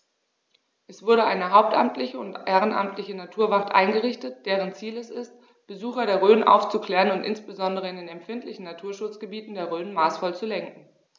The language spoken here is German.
Es wurde eine hauptamtliche und ehrenamtliche Naturwacht eingerichtet, deren Ziel es ist, Besucher der Rhön aufzuklären und insbesondere in den empfindlichen Naturschutzgebieten der Rhön maßvoll zu lenken.